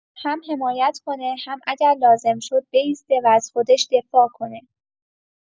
هم حمایت کنه، هم اگه لازم شد بایسته و از خودش دفاع کنه.